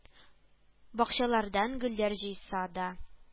Бакчалардан гөлләр җыйса да